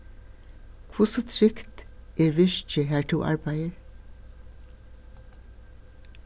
hvussu trygt er virkið har tú arbeiðir